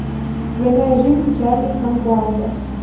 двойная жизнь чарли санклауда